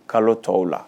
Kalo tɔw la